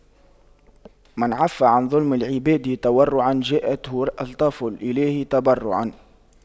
من عَفَّ عن ظلم العباد تورعا جاءته ألطاف الإله تبرعا